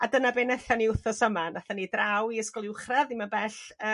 a dyna be netho ni w'thnos yma natha ni draw i ysgol uwchradd ddim yn bell